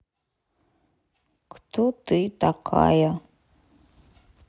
кто ты такая